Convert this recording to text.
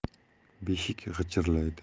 beshik g'ichirlaydi